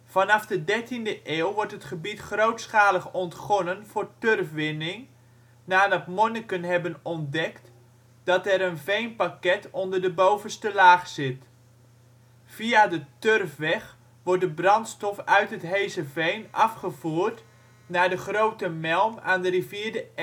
Vanaf de 13e eeuw wordt het gebied grootschalig ontgonnen voor turfwinning, nadat monniken hebben ontdekt dat er een veenpakket onder de bovenste laag zit. Via de Turfweg wordt de brandstof uit het Heezerveen afgevoerd naar de Grote Melm aan de rivier de